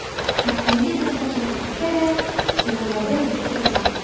Иртәнге дүрттән чыгып китә дә сигезләрдә йөгереп кайта.